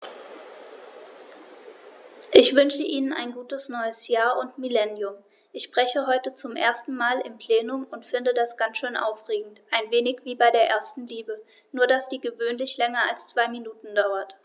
Ich wünsche Ihnen ein gutes neues Jahr und Millennium. Ich spreche heute zum ersten Mal im Plenum und finde das ganz schön aufregend, ein wenig wie bei der ersten Liebe, nur dass die gewöhnlich länger als zwei Minuten dauert.